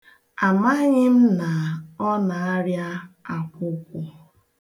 Amaghị m na ọ na-arịa akwụkwụ.